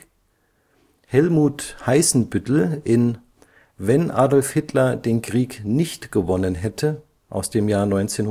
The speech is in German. Helmut Heißenbüttel, Wenn Adolf Hitler den Krieg nicht gewonnen hätte (1979